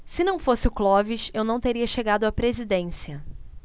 se não fosse o clóvis eu não teria chegado à presidência